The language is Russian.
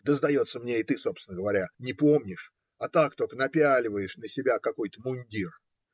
да сдается мне, и ты, собственно говоря, не помнишь, а так только напяливаешь на себя какой-то мундир.